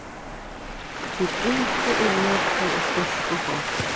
tit ungu og vøkru og sterku fólk